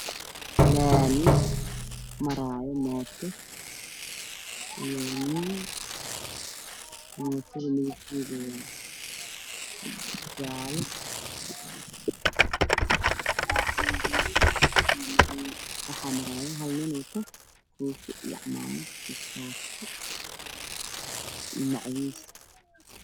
Laami maraayo mooto iyo nin mootadu midabkeedo waa jaalo iyo guduud iyo madow waxaa maraayo hal nin wato koofi iyo cimaamad iyo shaati iyo macawis